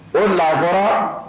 O de l'a fɔ la